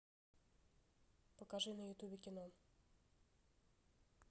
покажи на ютубе кино